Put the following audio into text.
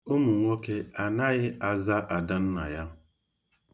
Ụmụnwoke anaghị aza Adannaya.